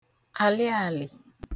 àlịàlị̀